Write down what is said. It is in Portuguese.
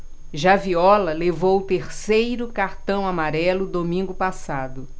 já viola levou o terceiro cartão amarelo domingo passado